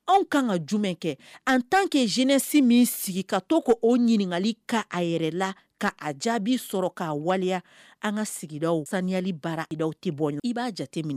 Anw ka ka jumɛn kɛ an tan kɛ zinasi min sigi ka to k ko o ɲininkali ka a yɛrɛ la ka a jaabi sɔrɔ k'a waliya an ka sigida saniyali baradaw tɛ bɔ i b'a jate minɛ